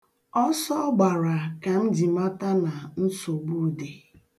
Ọsọ ọ gbara ka m ji mata na nsogbu dị.